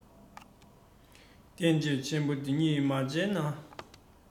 བསྟན བཅོས ཆེན པོ འདི གཉིས མ མཇལ ན